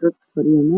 Dad badan